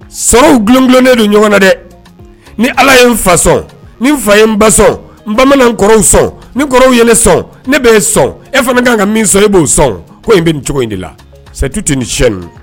Sɔrɔw glonnen don ɲɔgɔn na dɛ ni ala ye n fasɔn ni n fa ye n basɔn bamanan kɔrɔw sɔn ni kɔrɔw ye ne sɔn ne bɛ sɔn e fana kan ka min sɔrɔ e b'o sɔn ko in bɛ nin cogo in de la seti tɛ ni sɛ